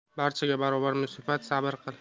barchaga barobar musibat sabr qil